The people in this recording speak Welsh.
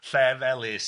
Llefelys.